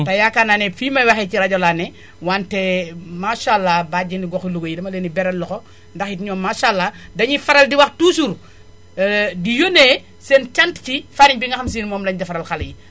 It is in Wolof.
te yaakaar naa ne fii may waxee ci rajo laa ne wante maasàllaa bàjjenu goxu Louga yi dama leen di beral loxo ndax it ñoom maasàllaa dañuy faral di wax toujours di yónnee seen cant ci farine bi nga xam si ne moom la ñu defaral xale yi